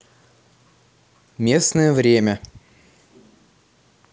местное время